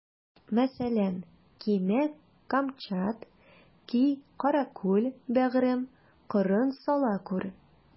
Мәсәлән: Кимә камчат, ки каракүл, бәгърем, кырын сала күр.